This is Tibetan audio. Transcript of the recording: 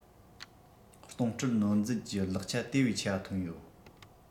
གཏོང སྤྲོད ནོར མཛོད ཀྱི ལེགས ཆ དེ བས ཆེ བ ཐོན ཡོད